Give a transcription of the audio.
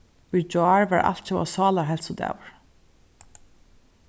í gjár var altjóða sálarheilsudagur